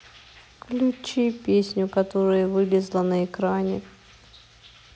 включи песню которая вылезла на экране